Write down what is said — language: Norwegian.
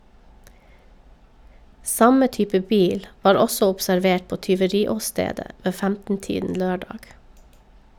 Samme type bil var også observert på tyveriåstedet ved 15-tiden lørdag.